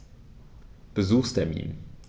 Besuchstermin